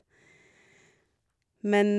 Men...